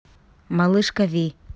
малышка ви